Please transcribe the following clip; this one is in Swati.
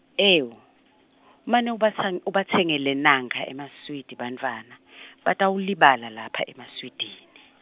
ewu, mane ubatsang- ubatsengele nankha emaswidi bantfwana , batawulibala lapha emaswidini.